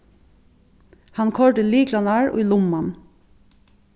hann koyrdi lyklarnar í lumman